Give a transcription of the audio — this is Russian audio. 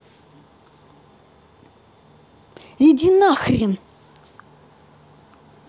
иди нахрен